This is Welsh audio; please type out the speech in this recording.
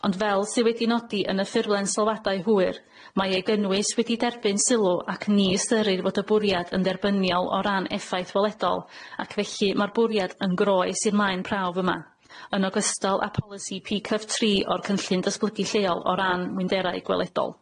Ond fel sy wedi nodi yn y ffurflen sylwadau hwyr mae ei gynnwys wedi derbyn sylw ac ni ystyried fod y bwriad yn dderbyniol o ran effaith weledol ac felly ma'r bwriad yn groes i'r maen prawf yma yn ogystal â polisi pee cyf tri o'r cynllun datblygu lleol o ran mwynderau gweledol.